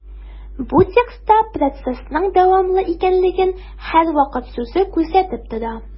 Бу текстта процессның дәвамлы икәнлеген «һәрвакыт» сүзе күрсәтеп тора.